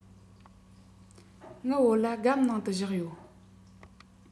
ངའི བོད ལྭ སྒམ ནང དུ བཞག ཡོད